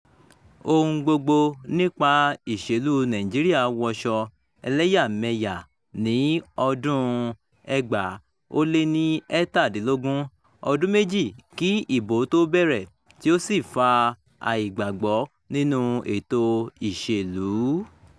Ohun gbogbo nípa ìṣèlú Nàìjíríà wọṣọ ẹlẹ́yàmẹ́lẹ́yá ní 2017, ọdún méjì kí ìbò ó tó bẹ̀rẹ̀, tí ó sì fa àìgbàgbọ́ nínú ètò ìṣèlú.